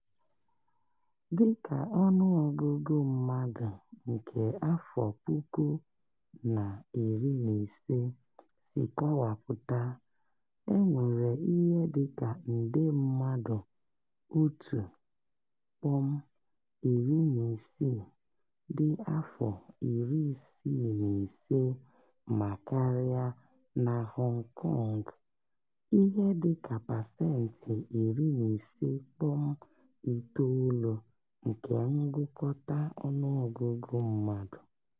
Dịka ọnụọgụgụ mmadụ nke afọ 2016 si kọwapụta, e nwere ihe dị ka nde mmadụ 1.16 dị afọ 65 ma karịa na Hong Kong—ihe dị ka pasentị 15.9 nke ngụkọta ọnụọgụgụ mmadụ.